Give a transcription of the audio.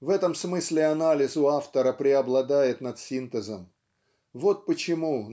В этом смысле анализ у автора преобладает над синтезом вот почему